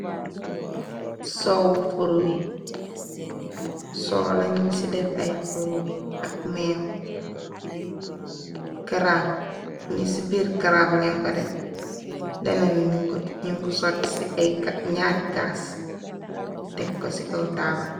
Soowu furwe soow la nug se def ay furwe ak meew karaaf ñi ci biir karaaf leen ko def leneen nug ku sote ci ay ñaari kaas tek ko ci kaw taabal.